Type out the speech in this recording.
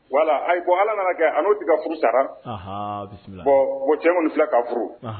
Wala, ayi, bon ,allah nana kɛ muso ka furu sara ɔnhɔn, bisimillah bɔn cɛ kɔni filɛ k'a furu.